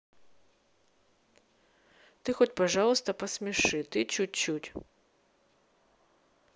ты хоть пожалуйста посмеши ты чуть чуть